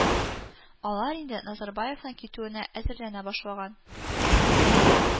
Алар инде Назарбаевның китүенә әзерләнә башлаган